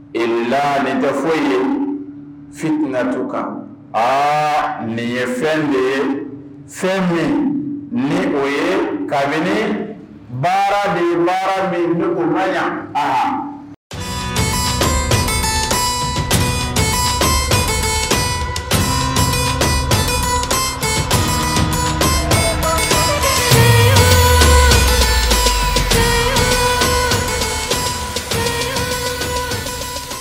Ee la nin bɛ fɔ yen fi ka du kan nin ye fɛn ye fɛn min ni o ye kabini baara ni baara min ne ma yan